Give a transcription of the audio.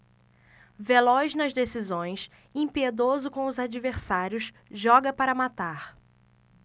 veloz nas decisões impiedoso com os adversários joga para matar